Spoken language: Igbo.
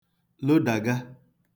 lodàga